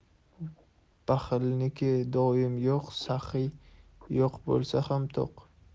baxilniki doim yo'q saxiy yo'q bo'lsa ham to'q